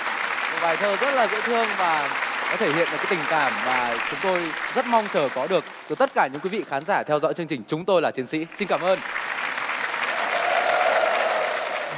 một bài thơ rất là dễ thương và nó thể hiện được cái tình cảm mà chúng tôi rất mong chờ có được từ tất cả những quý vị khán giả theo dõi chương trình chúng tôi là chiến sĩ xin cảm ơn ơn